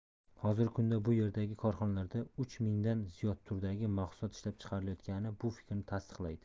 hozirgi kunda bu yerdagi korxonalarda uch mingdan ziyod turdagi mahsulot ishlab chiqarilayotgani bu fikrni tasdiqlaydi